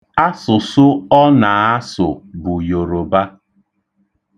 Asụsụ ọ na-asụ bụ Yoroba.